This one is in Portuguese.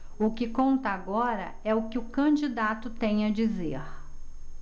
o que conta agora é o que o candidato tem a dizer